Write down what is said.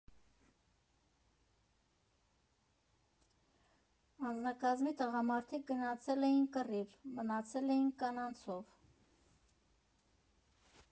«Անձնակազմի տղամարդիկ գնացել էին կռիվ, մնացել էինք կանանցով։